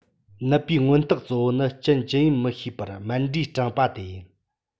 ནད པའི མངོན རྟགས གཙོ བོ ནི རྐྱེན ཅི ཡིན མི ཤེས པར རྨེན འབྲས སྐྲང བ དེ ཡིན